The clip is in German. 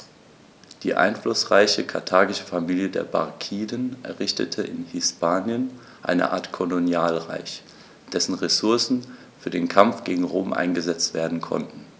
Die einflussreiche karthagische Familie der Barkiden errichtete in Hispanien eine Art Kolonialreich, dessen Ressourcen für den Kampf gegen Rom eingesetzt werden konnten.